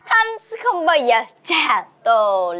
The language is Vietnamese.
thanh sẽ không bao giờ cha tô